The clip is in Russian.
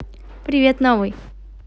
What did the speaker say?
привет новый